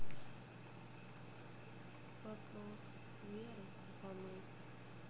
вопросы веры и фомы